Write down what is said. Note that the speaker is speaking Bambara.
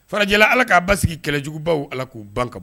Farala ala k'a ba sigi kɛlɛjugubaw ala k'u ban ka bɔ